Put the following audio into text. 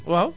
waaw